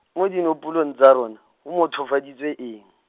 mo dinopolong tsa rona, go mothofaditswe eng?